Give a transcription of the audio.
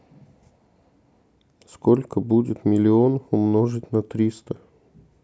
сколько будет миллион умножить на триста